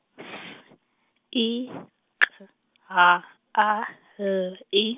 S, I, K, H, A, L, I.